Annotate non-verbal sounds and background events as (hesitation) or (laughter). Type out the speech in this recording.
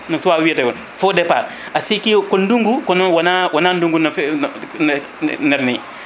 no tubak wiyata hon faux départ a sikki ko ndungu kono wona wona ndungu no fewi (hesitation) *